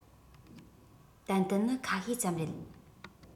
ཏན ཏན ནི ཁ ཤས ཙམ རེད